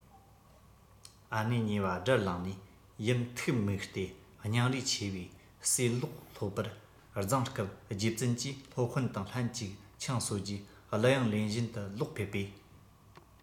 ཨ ནེའི ཉེ བ དགྲར ལངས ནས ཡུམ ཐུགས མུག སྟེ སྙིང རུས ཆེ བའི སྲས ཀློག སློབ པར བརྫངས སྐབས རྗེ བཙུན གྱིས སློབ དཔོན དང ལྷན ཅིག ཆང གསོལ རྗེས གླུ དབྱངས ལེན བཞིན དུ ལོག ཕེབས པས